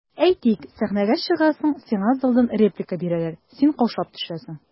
Әйтик, сәхнәгә чыгасың, сиңа залдан реплика бирәләр, син каушап төшәсең.